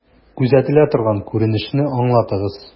Күзәтелә торган күренешне аңлатыгыз.